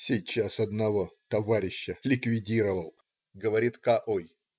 "Сейчас одного "товарища" ликвидировал",- говорит К-ой.